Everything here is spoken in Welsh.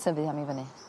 tyfu am i fyny.